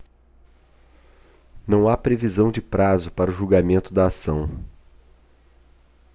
não há previsão de prazo para o julgamento da ação